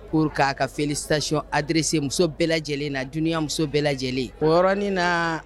Ko k'a kafesicon adsse muso bɛɛ lajɛlen na juguya muso bɛɛ lajɛlen kɔrɔnin na